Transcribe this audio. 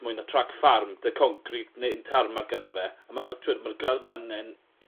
mwy na trac ffarm 'dy concrit ne' yn tarmac ganddo a ma' t'wod ma'r graddfa'n then